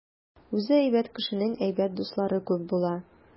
Үзе әйбәт кешенең әйбәт дуслары күп була.